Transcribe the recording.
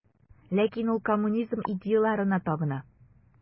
Ләкин ул коммунизм идеяләренә табына.